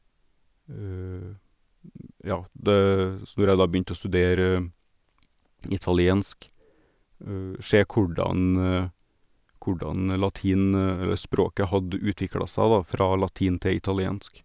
Ja, det så når jeg da begynte å studere italiensk, se hvordan hvordan latin eller språket hadde utvikla seg, da, fra latin til italiensk.